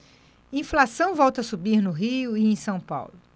inflação volta a subir no rio e em são paulo